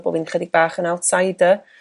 bo' fi'n 'chydig bach yn outsider